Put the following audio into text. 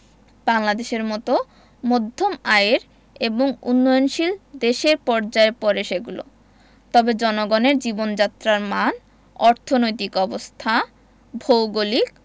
বাংলাদেশের মতো মধ্যম আয়ের এবং উন্নয়নশীল দেশের পর্যায়ে পড়ে সেগুলো তবে জনগণের জীবনযাত্রার মান অর্থনৈতিক অবস্থাভৌগলিক